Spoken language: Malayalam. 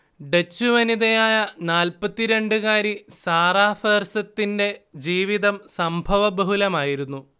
ഡച്ചു വനിതയായ നാല്പ്പത്തിരണ്ട്കാരി സാറാ ഫേർസിത്തിന്റെ ജീവിതം സംഭവബഹുലമായിരുന്നു